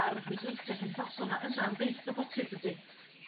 ar y rhwydweithia' cymdeithosol 'na yna am byth o bosib dydi?